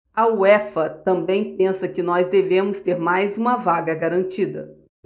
a uefa também pensa que nós devemos ter mais uma vaga garantida